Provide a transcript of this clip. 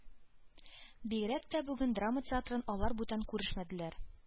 Бигрәк тә бүген драма театрын алар бүтән күрешмәделәр.